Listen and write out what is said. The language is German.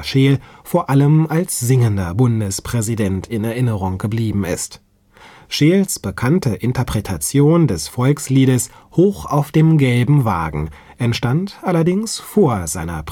Scheel vor allem als singender Bundespräsident in Erinnerung geblieben ist. Scheels bekannte Interpretation des Volksliedes „ Hoch auf dem gelben Wagen “entstand allerdings vor seiner